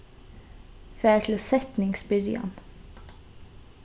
far til setningsbyrjan